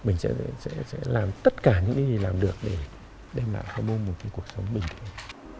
mình sẽ sẽ sẽ làm tất cả những cái gì làm được để đem lại cho bô một cuộc sống bình thường